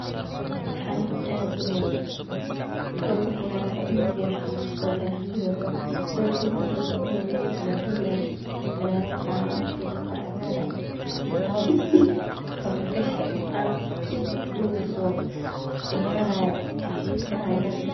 Barxad aad u Wayn oo uu kucayaarayo cunug yar oo baskiil wato midabkiisu waa madow. Fanaanad jaale wato iyo buume cagaar ah iyo kabo horgashi ah, cunugaas oo kucayaarayo janjar.